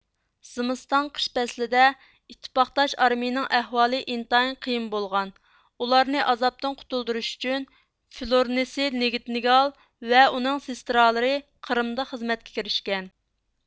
زىمىستان قىش پەسلىدە ئىتتىپاقداش ئارمىيىنىڭ ئەھۋالى ئىنتايىن قىيىن بولغان ئۇلارنى ئازابتىن قۇتۇلدۇرۇش ئۈچۈن فلورنىسى نىگىتنگال ۋە ئۇنىڭ سېستىرالىرى قىرىمدا خىزمەتكە كىرىشكەن